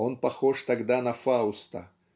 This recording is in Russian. -- он похож тогда на Фауста